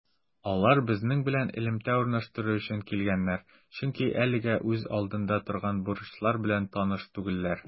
Алар безнең белән элемтә урнаштыру өчен килгәннәр, чөнки әлегә үз алдында торган бурычлар белән таныш түгелләр.